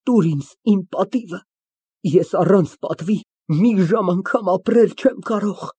Տուր ինձ իմ պատիվը, ես առանց պատվի մի ժամ անգամ ապրել չեմ կարող։